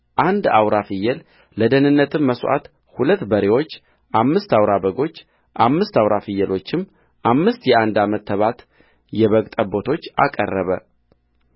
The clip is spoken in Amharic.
አንድ አውራ ፍየልለደኅንነትም መሥዋዕት ሁለት በሬዎች አምስት አውራ በጎች አምስት አውራ ፍየሎች አምስት የአንድ ዓመት ተባት የበግ ጠቦቶች አቀረበ